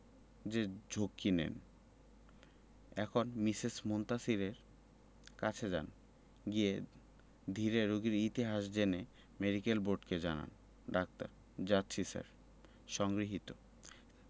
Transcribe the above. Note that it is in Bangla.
যে ঝক্কি নেন এখন মিসেস মুনতাসীরের কাছে যান গিয়ে ধীরে রোগীর ইতিহাস জেনে মেডিকেল বোর্ডকে জানান ডাক্তার যাচ্ছি স্যার সংগৃহীত